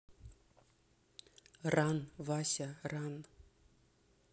ран вася ран